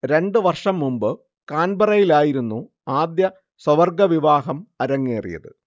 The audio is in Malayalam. രണ്ടു വർഷം മുമ്പ് കാൻബറയിലായിരുന്നു ആദ്യ സ്വവർഗ വിവാഹം അരങ്ങേറിയത്